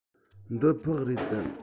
འདི ཕག རེད དམ